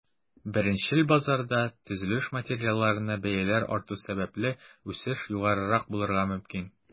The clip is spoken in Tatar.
Беренчел базарда, төзелеш материалларына бәяләр арту сәбәпле, үсеш югарырак булырга мөмкин.